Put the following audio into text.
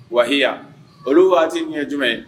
Waya olu waati ɲɛ jumɛn ye